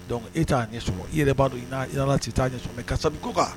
Donc e t'a ɲɛ sɔrɔɔ i yɛrɛ b'a dɔn i n'i Ala cɛ mais kan.